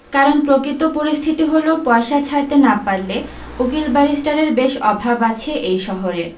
কারণ প্রকৃত পরিস্থিতি হলো পয়সা ছাড়তে না পারলে উকিল ব্যারিষ্টারের বেশ অভাব আছে এই শহরে